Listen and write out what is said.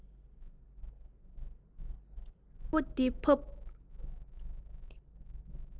རྒྱབ ཁུག ཆེན པོ དེ ཕབ